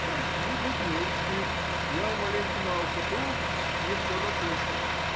Прости, будь милостив: я маленько на ухо туг — не все дослышал.